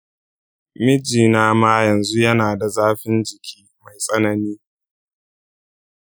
mijina ma yanzu yana da zafin jiki mai tsanani.